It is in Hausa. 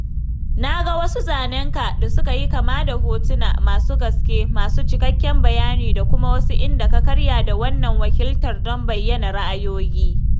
Na ga wasu zanen ka da suka yi kama da hotuna, masu gaske, masu cikakken bayani … da kuma wasu inda ka karya da wannan wakiltar don bayyana ra'ayoyi.